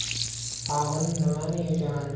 tag'in nimani yechaman